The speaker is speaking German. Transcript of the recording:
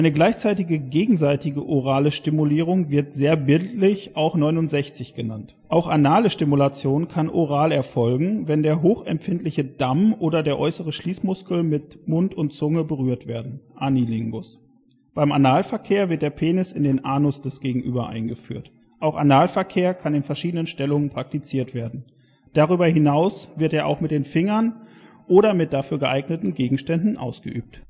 gleichzeitige gegenseitige orale Stimulierung wird sehr bildlich auch „ Neunundsechzig “genannt. Auch anale Stimulation kann oral erfolgen, wenn der hoch empfindliche Damm oder der äußere Schließmuskel mit Mund und Zunge berührt werden (Anilingus). Beim Analverkehr wird der Penis in den Anus des Gegenübers eingeführt. Auch Analverkehr kann in verschiedenen Stellungen praktiziert werden; darüber hinaus wird er auch mit den Fingern oder mit dafür geeigneten Gegenständen ausgeübt